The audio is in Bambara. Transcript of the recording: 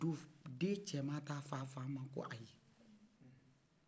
o don den cɛman t'a fo a fa ma ko a yi